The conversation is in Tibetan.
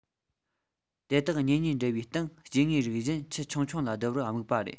དེ དག གཉེན ཉེའི འབྲེལ བའི སྟེང སྐྱེ དངོས རིགས གཞན ཁྱུ ཆུང ཆུང ལ བསྡུ བར དམིགས པ རེད